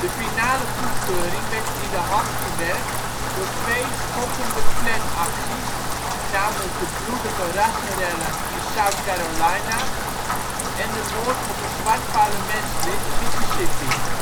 finale goedkeuring werd in de hand gewerkt door twee schokkende Klanacties, namelijk de bloedige rassenrellen in South Carolina en de moord op een zwart parlementslid in Mississippi